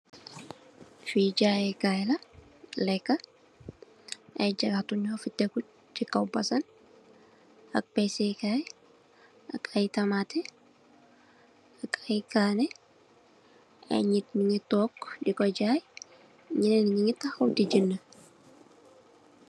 Fi jaayekaay la, lekka ay jahatu nu fi tégu chi kaw basang ak bèssèkaay, ak ay tamatè ak ay kanè. Ay nit ñungi toog diko jaay nyenen yi nungi tahaw di jënn.